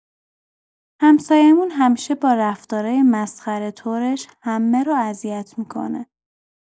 همسایه‌مون همیشه با رفتارای مسخره‌طورش همه رو اذیت می‌کنه.